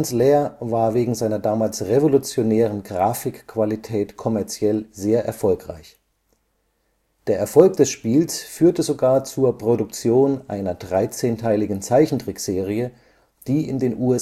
Lair war wegen seiner damals revolutionären Grafikqualität kommerziell sehr erfolgreich. Der Erfolg des Spiels führte sogar zur Produktion einer 13-teiligen Zeichentrickserie, die in den USA